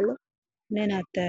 laamiga cadaan waayo